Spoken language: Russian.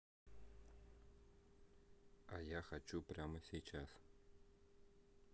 а я хочу прямо сейчас